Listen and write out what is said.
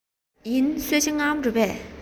ཡིན གསོལ ཇ མངར མོ རེད པས